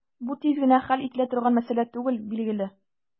Бу тиз генә хәл ителә торган мәсьәлә түгел, билгеле.